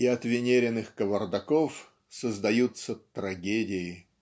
и от венериных кавардаков создаются трагедии.